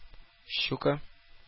Щука